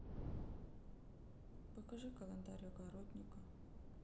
покажи календарь огородника